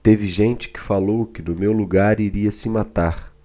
teve gente que falou que no meu lugar iria se matar